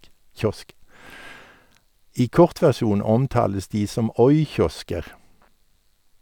I kort versjon omtales de som oi-kiosker.